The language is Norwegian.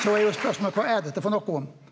så er jo spørsmålet kva er dette for noko?